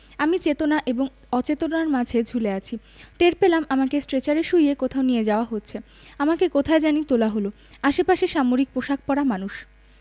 আমি চেতনা এবং অচেতনার মাঝে ঝুলে আছি টের পেলাম আমাকে স্ট্রেচারে শুইয়ে কোথাও নিয়ে যাওয়া হচ্ছে আমাকে কোথায় জানি তোলা হলো আশেপাশে সামরিক পোশাক পরা মানুষ